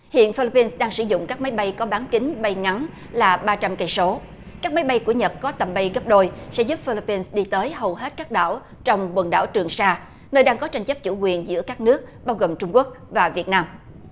hiện phi líp pin đang sử dụng các máy bay có bán kính bay ngắn là ba trăm cây số các máy bay của nhật có tầm bay gấp đôi sẽ giúp phi líp pin đi tới hầu hết các đảo trong quần đảo trường sa nơi đang có tranh chấp chủ quyền giữa các nước bao gồm trung quốc và việt nam